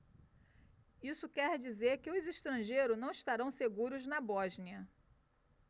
isso quer dizer que os estrangeiros não estarão seguros na bósnia